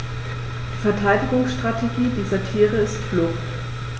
Die Verteidigungsstrategie dieser Tiere ist Flucht.